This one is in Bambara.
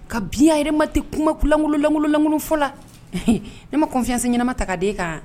Ka bi a yɛrɛ ma ten kuma k laŋolon laŋolon laŋolo fɔ la ne ma confiance ɲɛnɛma ta k'a d'e kan a